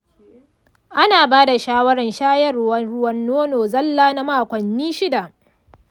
ana bada shawaran shayarwan ruwan nono zalla na makonni shida.